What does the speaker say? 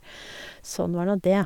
Sånn var nå det.